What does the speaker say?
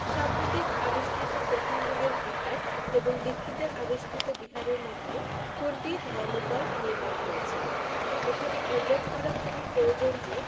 সাম্প্রতিক আবিষ্কৃত প্রথম যুগের বিহার এবং দীক্ষিতের আবিষ্কৃত বিহারের মধ্যে কোনটি ধর্মপাল নির্মাণ করেছিলেন এখানে উল্লেখ করা খুবই প্রয়োজন যে